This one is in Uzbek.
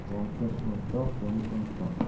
botir o'rtoq boy o'rtoq